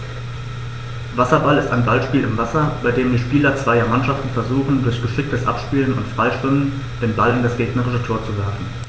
Wasserball ist ein Ballspiel im Wasser, bei dem die Spieler zweier Mannschaften versuchen, durch geschicktes Abspielen und Freischwimmen den Ball in das gegnerische Tor zu werfen.